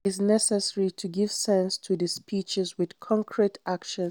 It is necessary to give sense to the speeches with concrete actions.